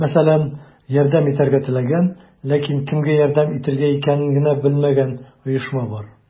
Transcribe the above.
Мәсәлән, ярдәм итәргә теләгән, ләкин кемгә ярдәм итергә икәнен генә белмәгән оешма бар.